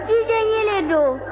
jijɛ ɲɛlɛ don